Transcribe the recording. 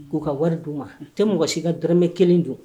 K'u ka wari d'u ma, n tɛ mɔgɔ si ka dɔrɔmɛ kelen dun.